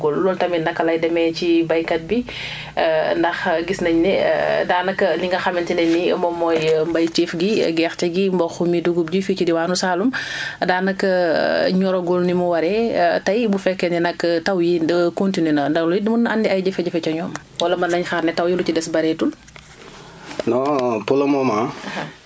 te gis nañ ne nawet bi jeexagul taw yi tamit jeexagul loolu tamit naka lay demee ci baykat bi ndax gis nañ ne daanaka li nga xamante ne nii moom mooy mbayteef bi gerte gi mboq mi dugub ji fii ci diwaanu Saloum daanaka ñoragul ni mu waree tay bu fekkee ne nag taw yi nda continué na loolu it mën na andi ay jafe-jafe ca ñoom wala mën nañu xaar taw yi lu ci des bëreetul